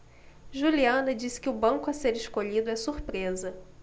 juliana disse que o banco a ser escolhido é surpresa